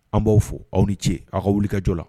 An b'aw fɔ aw ni ce aw ka wuli kajɔ la